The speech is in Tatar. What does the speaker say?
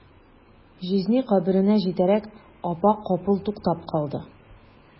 Җизни каберенә җитәрәк, апа капыл туктап калды.